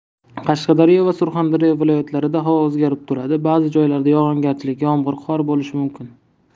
qashqadaryo va surxondaryo viloyatlarida havo o'zgarib turadi ba'zi joylarda yog'ingarchilik yomg'ir qor bo'lishi mumkin